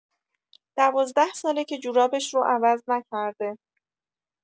۱۲ ساله که جورابش رو عوض نکرده!